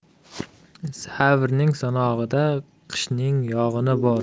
savrning sanog'ida qishning yog'ini bor